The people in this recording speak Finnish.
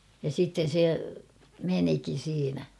ja sitten se menikin siinä